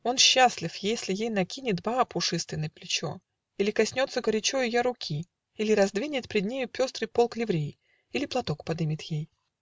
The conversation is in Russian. Он счастлив, если ей накинет Боа пушистый на плечо, Или коснется горячо Ее руки, или раздвинет Пред нею пестрый полк ливрей, Или платок подымет ей.